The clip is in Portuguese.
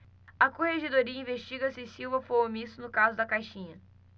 a corregedoria investiga se silva foi omisso no caso da caixinha